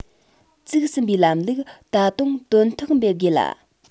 བཙུགས ཟིན པའི ལམ ལུགས ད དུང དོན ཐོག འབེབས དགོས ལ